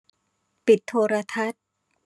ปิดโทรทัศน์